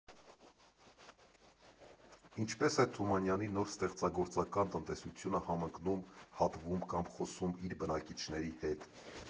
Ինչպե՞ս է Թումանյանի նոր ստեղծագործական տնտեսությունը համընկնում, հատվում կամ խոսում իր բնակիչների հետ։